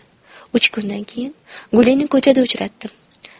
uch kundan keyin gulini ko'chada uchratdim